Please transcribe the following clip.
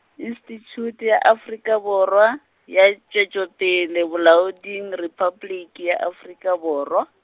Institute ya Afrika Borwa, ya Tšwetšopele Bolaoding Repabliki ya Afrika Borwa.